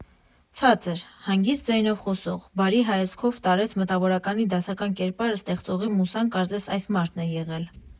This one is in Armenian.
Ցածր, հանգիստ ձայնով խոսող, բարի հայացքով տարեց մտավորականի դասական կերպարը ստեղծողի մուսան կարծես այս մարդն է եղել։